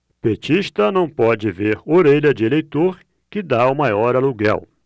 petista não pode ver orelha de eleitor que tá o maior aluguel